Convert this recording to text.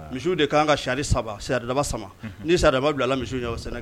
Misiw de ka kan ka sili saba sa daba sama ni saraba bila ala misi sɛnɛ